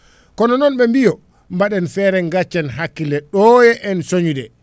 kono noon ɓe mbi o mbaɗen feere gaccen hakkille ɗo e en cooñde